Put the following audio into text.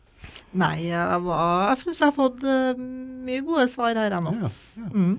nei jeg var jeg syns jeg har fått mye gode svar her jeg nå ja.